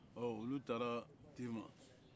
ɔ olu taara tema